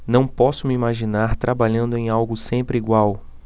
não posso me imaginar trabalhando em algo sempre igual